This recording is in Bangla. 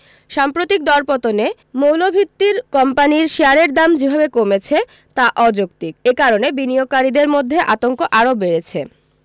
সাম্প্রতিক দরপতনে মৌলভিত্তির কোম্পানির শেয়ারের দাম যেভাবে কমেছে তা অযৌক্তিক এ কারণে বিনিয়োগকারীদের মধ্যে আতঙ্ক আরও বেড়েছে